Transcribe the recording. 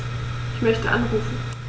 Ich möchte anrufen.